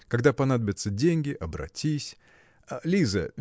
Когда понадобятся деньги, обратись. Лиза!